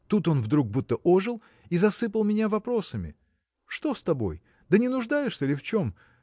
Тут он вдруг будто ожил и засыпал меня вопросами: Что с тобой? да не нуждаешься ли в чем?